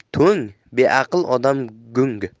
beaql odam gung